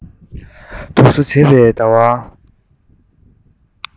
རྟོག བཟོ བྱས པའི ཟླ བ